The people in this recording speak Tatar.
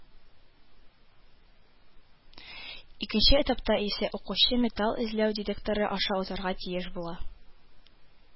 Икенче этапта исә укучы металл эзләү детекторы аша узарга тиеш була